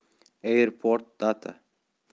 airport data